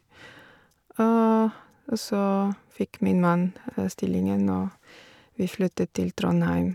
og Og så fikk min mann stillingen, og vi flyttet til Trondheim.